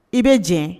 I bɛ diɲɛ